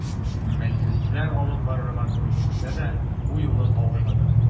Мәҗлесләр алып барырга туры килсә дә, бу юлы каушадым.